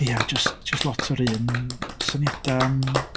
Ia jyst jyst lot o'r un syniadau am...